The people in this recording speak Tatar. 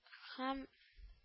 Һәм